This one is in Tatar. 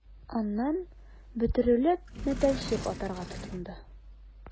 Аннан, бөтерелеп, мәтәлчек атарга тотынды...